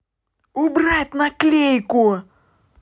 убрать наклейку